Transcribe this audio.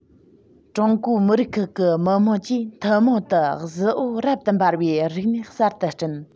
ཀྲུང གོའི མི རིགས ཁག གི མི དམངས ཀྱིས ཐུན མོང དུ གཟི འོད རབ ཏུ འབར བའི རིག གནས གསར དུ བསྐྲུན